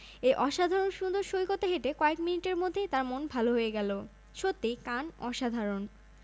বিয়েতে ব্যবহৃত অনেক ফুল আর পাতা সংগ্রহ করা হবে রাজপরিবারের নিজস্ব ক্রাউন এস্টেট আর উইন্ডসর গ্রেট পার্কের বাগান থেকে